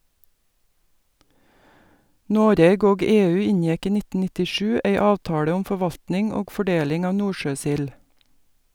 Noreg og EU inngjekk i 1997 ei avtale om forvaltning og fordeling av nordsjøsild.